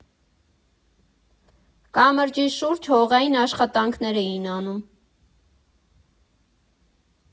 Կամրջի շուրջ հողային աշխատանքներ էին անում։